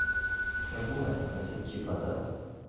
Թվում է՝ մեզ հետ չի պատահել.